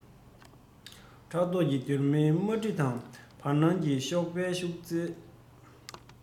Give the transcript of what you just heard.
བྲག ཐོག གི སྡེར མོའི དམར དྲི དང བར སྣང གི གཤོག པའི ཤུལ རྗེས